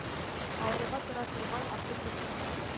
Аварга тора торган атым белән,